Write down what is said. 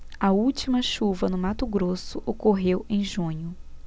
a última chuva no mato grosso ocorreu em junho